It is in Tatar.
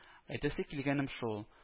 Әйтәсе килгәнем шул: